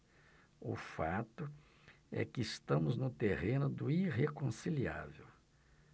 o fato é que estamos no terreno do irreconciliável